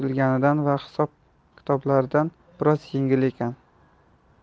va hisob kitoblardagidan biroz yengil ekan